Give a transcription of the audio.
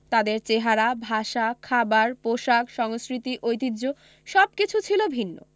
তাদের চেহারা ভাষা খাবার পোশাক সংস্কৃতি ঐতিহ্য সবকিছু ছিল ভিন্ন